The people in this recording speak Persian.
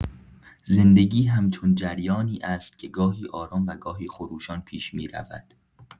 زندگی همچون جریانی است که گاهی آرام و گاهی خروشان پیش می‌رود.